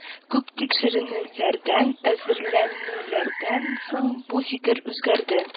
Күп тикшеренүләрдән, эзләнүләрдән соң бу фикер үзгәрде